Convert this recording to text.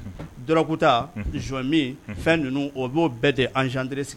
Drogue ta, joint min fɛn ninnu o b'o bɛɛ de engendrer